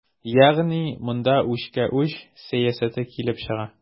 Ягъни монда үчкә-үч сәясәте килеп чыга.